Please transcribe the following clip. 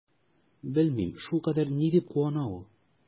Белмим, шулкадәр ни дип куана ул?